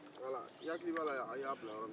wala e hakili b'a la e y'a bila yɔrɔ min wa